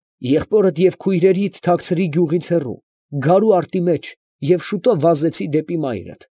Եղբորդ և քույրերիդ թաքցրի գյուղից հեռու գարու արտի մեջ և շուտով վազեցի դեպի մայրդ։